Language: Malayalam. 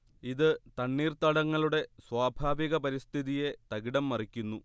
ഇത് തണ്ണീർത്തടങ്ങളുടെ സ്വാഭാവിക പരിസ്ഥിതിയെ തകിടംമറിക്കുന്നു